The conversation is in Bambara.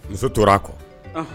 Muso tora a kɔ